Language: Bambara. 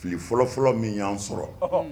Fili fɔlɔfɔlɔ min y' sɔrɔ